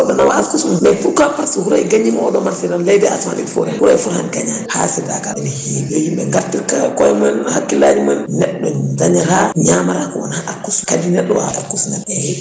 goɗɗo nawa arsugue mum pourquoi Houraye gagnima oɗo match tan leydi e asaman il faut ndenda Houraye fotani gagande hassidigal ene hewi yo yimɓe gartir kala koyemumen hakkillaji mumen neɗɗo dañata ñamata kowona arsugue kadi neɗɗo wawa ar kusnen eyyi